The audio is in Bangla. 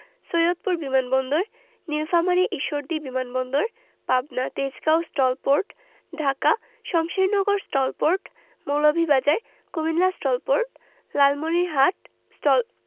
সৈয়দপুর বিমান বন্দর নিলফামারী ঈশ্বরদী বিমান বন্দর Pabna Tejgaon STOL port Dhaka Shamshernagar STOL port Moulvibazar Comilla STOL port Lalmonirhat stall